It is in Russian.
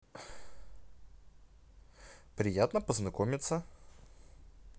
приятно познакомиться